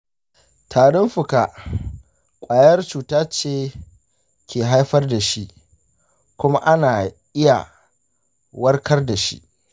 tarin fuka ƙwayar cuta ce ke haifar da shi kuma ana iya warkar da shi.